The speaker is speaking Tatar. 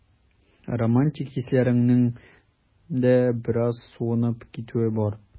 Романтик хисләреңнең дә бераз суынып китүе бар.